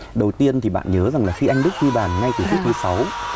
đầu tiên thì bạn nhớ rằng khi anh đức ghi bàn ngay từ phút thứ sáu